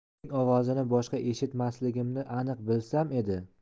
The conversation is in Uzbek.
uning ovozini boshqa eshitmasligimni aniq bilsam edi